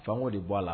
Fanko de b'a la